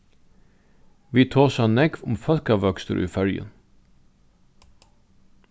vit tosa nógv um fólkavøkstur í føroyum